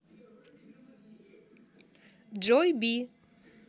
joy в